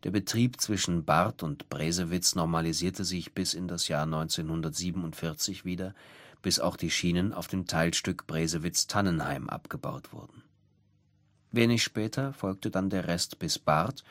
Betrieb zwischen Barth und Bresewitz normalisierte sich bis in das Jahr 1947 wieder, bis auch die Schienen auf dem Teilstück Bresewitz – Tannenheim abgebaut wurden. Wenig später folgte dann der Rest bis Barth